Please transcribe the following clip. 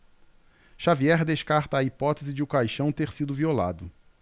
xavier descarta a hipótese de o caixão ter sido violado